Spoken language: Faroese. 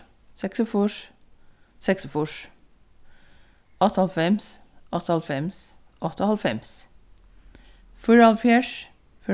seksogfýrs seksogfýrs áttaoghálvfems áttaoghálvfems áttaoghálvfems fýraoghálvfjerðs